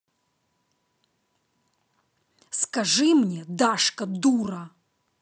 скажи мне дашка дура